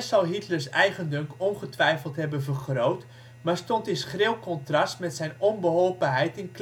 Hitlers eigendunk ongetwijfeld hebben vergroot maar stond in schril contrast met zijn onbeholpenheid in